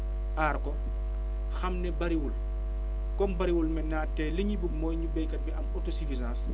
aar ko xam ne bëriwul comme bëriwul maintenant te li ñu bëgg mooy ñu béykat bi am autosuffisance